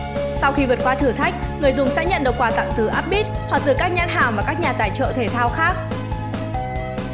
sau khi đã vượt qua thử thách người dùng sẽ nhận được quà tặng từ up beat hoặc từ các nhãn hàng và nhà tài trợ thể thao khác